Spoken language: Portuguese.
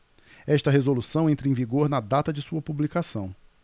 esta resolução entra em vigor na data de sua publicação